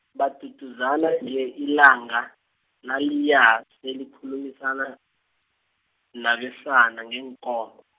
baduduzana nje ilanga, naliya selikhulumisana, nabesana ngeenko- .